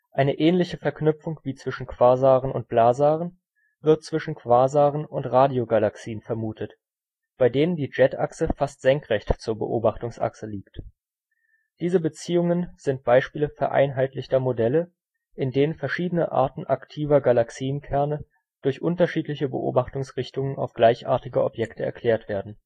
Eine ähnliche Verknüpfung wie zwischen Quasaren und Blazaren wird zwischen Quasaren und Radiogalaxien vermutet, bei denen die Jetachse fast senkrecht zur Beobachtungsachse liegt. Diese Beziehungen sind Beispiele „ vereinheitlichter “Modelle, in denen verschiedene Arten aktiver Galaxienkerne durch unterschiedliche Beobachtungsrichtungen auf gleichartige Objekte erklärt werden